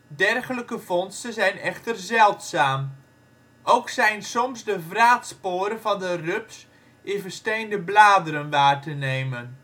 Dergelijke vondsten zijn echter zeldzaam. Ook zijn soms de vraatsporen van de rups in versteende bladeren waar te nemen